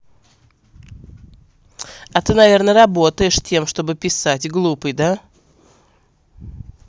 а ты наверное работаешь тем чтобы писать глупый да